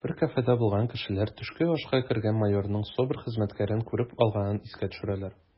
Бер кафеда булган кешеләр төшке ашка кергән майорның СОБР хезмәткәрен күреп алганын искә төшерәләр: